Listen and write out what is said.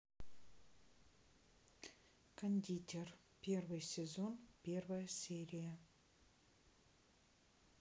кондитер первый сезон первая серия